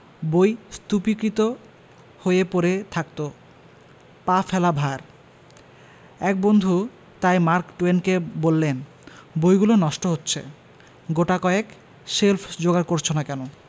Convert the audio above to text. বই স্তূপীকৃত হয়ে পড়ে থাকত পা ফেলা ভার এক বন্ধু তাই মার্ক টুয়েনকে বললেন বইগুলো নষ্ট হচ্ছে গোটাকয়েক শেল্ফ যোগাড় করছ না কেন